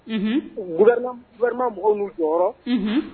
Unhun u gouvernant gouvernement mɔgɔw n'u jɔyɔrɔ unhun